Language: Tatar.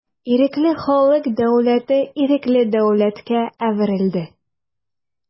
Ирекле халык дәүләте ирекле дәүләткә әверелде.